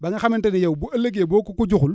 ba nga xamante ne yow bu ëllëgee boo ko ko joxul